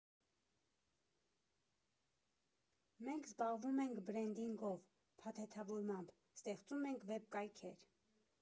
Մենք զբաղվում ենք բրենդինգով, փաթեթավորմամբ, ստեղծում ենք վեբկայքեր։